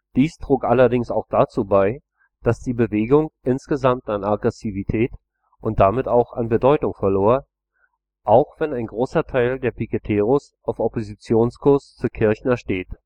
Dies trug allerdings auch dazu bei, dass die Bewegung insgesamt an Aggressivität und damit auch an Bedeutung verlor, auch wenn ein großer Teil der Piqueteros auf Oppositionskurs zu Kirchner steht